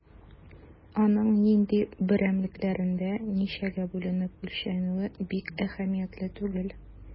Аның нинди берәмлекләрдә, ничәгә бүленеп үлчәнүе бик әһәмиятле түгел.